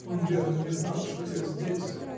— Он, верно, не знал, что я здесь.